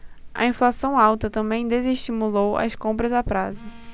a inflação alta também desestimulou as compras a prazo